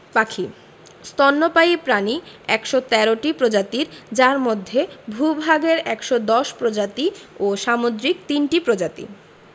পাখি স্তন্যপায়ী প্রাণী ১১৩ প্রজাতির যার মধ্যে ভূ ভাগের ১১০ প্রজাতি ও সামুদ্রিক ৩ টি প্রজাতি